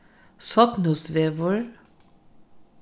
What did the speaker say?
sornhúsvegur